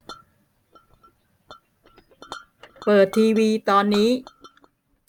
เปิดทีวีตอนนี้